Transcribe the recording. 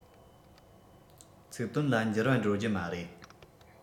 ཚིག དོན ལ འགྱུར བ འགྲོ རྒྱུ མ རེད